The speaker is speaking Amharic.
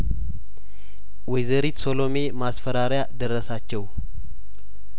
ወይዘሪት ሰሎሜ ማስፈራሪያደረሳቸው